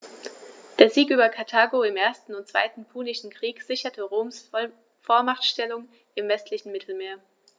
Der Sieg über Karthago im 1. und 2. Punischen Krieg sicherte Roms Vormachtstellung im westlichen Mittelmeer.